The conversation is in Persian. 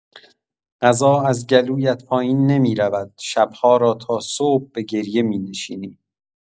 غذا از گلویت پایین نمی‌رود، شب‌ها را تا صبح به گریه می‌نشینی.